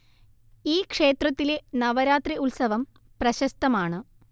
ഈ ക്ഷേത്രത്തിലെ നവരാത്രി ഉത്സവം പ്രശസ്തമാണ്